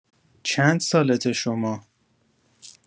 چندسالته شما؟